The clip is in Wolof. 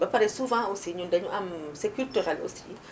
ba pare souvent aussi ñun dañu am c' est culturel aussi